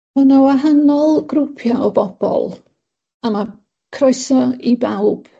Ma' 'na wahanol grwpia o bobol, a ma' croeso i bawb